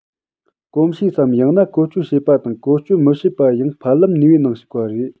གོམས གཤིས སམ ཡང ན བཀོལ སྤྱོད བྱེད པ དང བཀོལ སྤྱོད མི བྱེད པ ཡང ཕལ ལམ ནུས པའི ནང ཞུགས པ རེད